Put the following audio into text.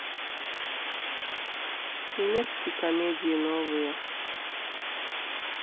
немецкие комедии новые